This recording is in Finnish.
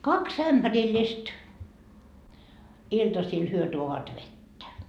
kaksi ämpärillistä iltasilla he tuovat vettä